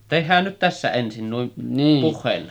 tehdään nyt tässä ensin noin puheella